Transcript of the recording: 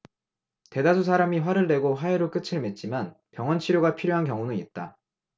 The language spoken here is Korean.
대다수 사람이 화를 내고 화해로 끝을 맺지만 병원 치료가 필요한 경우는 있다